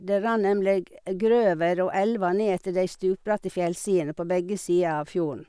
Det rant nemlig grøver og elver nedetter de stupbratte fjellsidene på begge sider av fjorden.